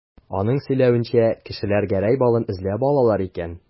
Аның сөйләвенчә, кешеләр Гәрәй балын эзләп алалар икән.